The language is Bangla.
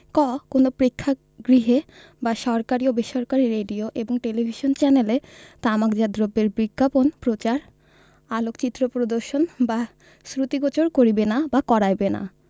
ক কোন প্রেক্ষগ্রহে বা সরকারী ও বেসরকারী রেডিও এবং টেলিভিশন চ্যানেলে তামাকজাত দ্রব্যের বিজ্ঞাপন প্রচার আলেঅকচিত্র প্রদর্শন বা শ্রুতিগোচর করিবে না বা করাইবে না